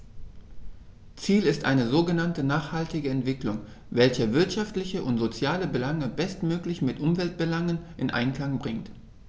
Ziel ist eine sogenannte nachhaltige Entwicklung, welche wirtschaftliche und soziale Belange bestmöglich mit Umweltbelangen in Einklang bringt.